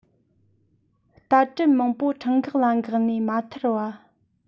རྟ དྲེལ མང པོ འཕྲང འགག ལ འགགས ནས མ ཐར བ